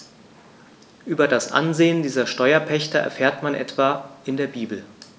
Über das Ansehen dieser Steuerpächter erfährt man etwa in der Bibel.